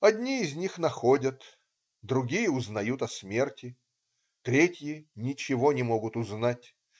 Одни из них находят, другие узнают о смерти, третьи ничего не могут узнать.